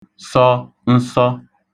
sọ nsọ